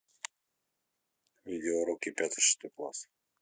видео уроки пятый шестой класс